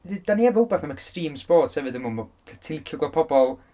D- 'da ni efo rhywbeth am extreme sports hefyd yma, lle ti'n licio gweld pobl